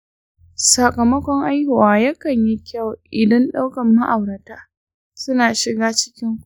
sakamakon haihuwa yakan fi kyau idan dukkan ma’aurata suna shiga cikin kulawar.